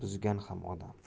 buzgan ham odam